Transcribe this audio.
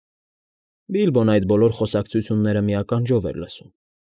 Բիլբոն այդ բոլոր խոսակցությունները մի ականջով էր լսում։